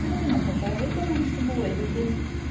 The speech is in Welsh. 'Dyn nhw ddim yn bodoli gymaint ddim mwy wedyn